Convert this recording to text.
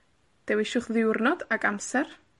Dewiswch ddiwrnod ag amser,